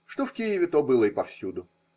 Что в Киеве, то было и повсюду.